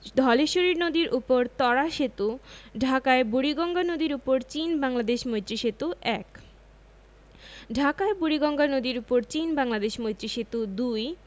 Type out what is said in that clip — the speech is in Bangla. ধলেশ্বরী নদীর উপর ত্বরা সেতু ঢাকায় বুড়িগঙ্গা নদীর উপর চীন বাংলাদেশ মৈত্রী সেতু ১ ঢাকায় বুড়িগঙ্গা নদীর উপর চীন বাংলাদেশ মৈত্রী সেতু ২